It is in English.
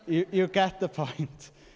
You you get the point.